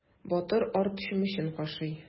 Батыр арт чүмечен кашый.